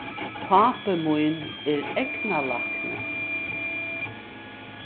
pápi mín er eygnalækni